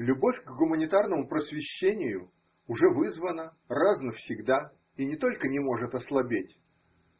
Любовь к гуманитарному просвещению уже вызвана раз навсегда и не только не может ослабеть,